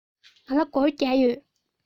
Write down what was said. ང ལ སྒོར བརྒྱ ཡོད